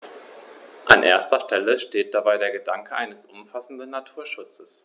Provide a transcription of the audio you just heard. An erster Stelle steht dabei der Gedanke eines umfassenden Naturschutzes.